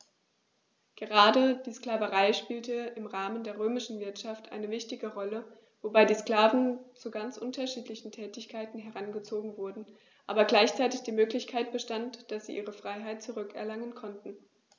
Gerade die Sklaverei spielte im Rahmen der römischen Wirtschaft eine wichtige Rolle, wobei die Sklaven zu ganz unterschiedlichen Tätigkeiten herangezogen wurden, aber gleichzeitig die Möglichkeit bestand, dass sie ihre Freiheit zurück erlangen konnten.